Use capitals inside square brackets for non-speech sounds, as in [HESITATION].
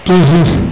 [HESITATION] [HESITATION]